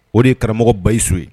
O de ye karamɔgɔ Bayisu ye.